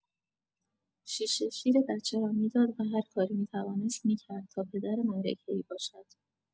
شیشه‌شیر بچه را می‌داد و هر کاری می‌توانست می‌کرد تا پدر معرکه‌ای باشد.